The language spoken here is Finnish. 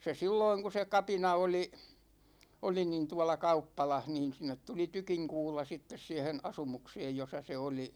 se silloin kun se kapina oli oli niin tuolla kauppalassa niin sinne tuli tykinkuula sitten siihen asumukseen jossa se oli